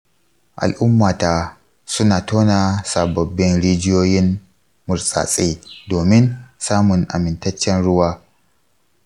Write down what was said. al'ummata su na tona sababbin rijiyoyin murtsatse domin samun amintaccen ruwa.